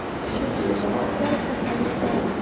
kishini ish ovutar kasalni dori